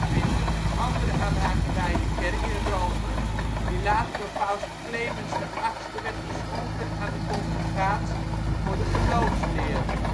een andere aan haar gewijde kerk in Rome, die later door Paus Clemens VIII werd geschonken aan de Congregatie voor de Geloofsleer